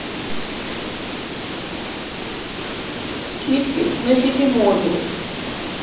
скидки на ситимобил